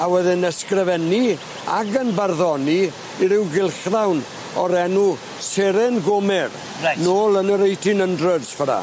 A wedd e'n ysgrifennu ag yn barddoni i ryw gylchgrawn o'r enw Seren Gomer. Reit. nôl yn yr eighteen undreds ffor 'na.